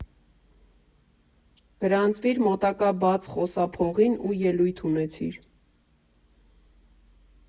Գրանցվիր մոտակա բաց խոսափողին ու ելույթ ունեցիր։